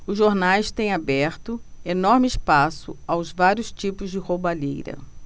os jornais têm aberto enorme espaço aos vários tipos de roubalheira